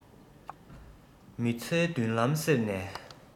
མི ཚེའི མདུན ལམ གསེབ ནས